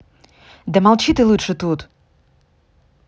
да молчи ты лучше тут